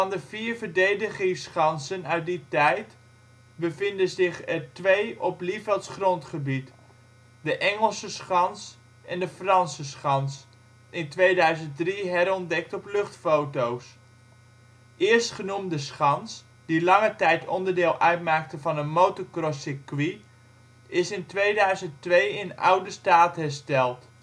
de vier verdedigingsschansen uit die tijd bevinden zich er twee op Lievelds grondgebied: de Engelse Schans en de Franse Schans (in 2003 herontdekt op luchtfoto 's). Eerstgenoemde schans, die lange tijd onderdeel uitmaakte van een motorcross circuit, is in 2002 in oude staat hersteld